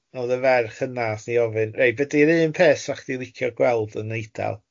Odd y ferch hyna nath hi ofyn. Reit be di'r un peth fysa chdi'n licio gweld yn Eidal?